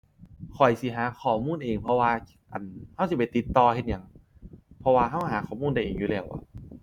ข้อยสิหาข้อมูลเองเพราะว่า อั่น เราสิไปติดต่อเฮ็ดหยังเพราะว่าเราหาข้อมูลได้เองอยู่แล้วอะ